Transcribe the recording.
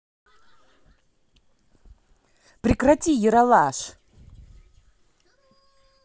прекрати ералаш